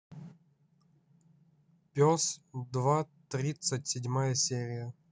пес два тридцать седьмая серия